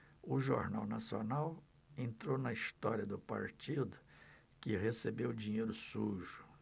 o jornal nacional entrou na história do partido que recebeu dinheiro sujo